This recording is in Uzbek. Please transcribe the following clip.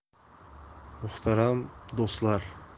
muhtaram do'stlar